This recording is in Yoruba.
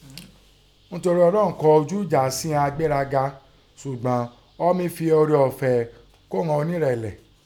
ńtorí Ọlọ́run kọ ojú ìjà sí ìnọn agbéraga, sùgbọ́n Ọ́ mín fin ọrẹ ọ̀fẹ́ kò ìnọn ọnírẹ̀lẹ̀.